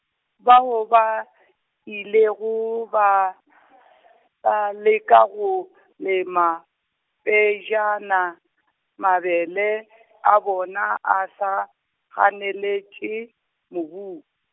bao ba , ilego ba , ba leka go lema pejana, mabele a bona a sa, ganeletše, mobung.